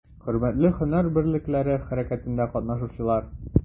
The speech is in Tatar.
Хөрмәтле һөнәр берлекләре хәрәкәтендә катнашучылар!